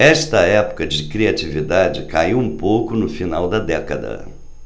esta época de criatividade caiu um pouco no final da década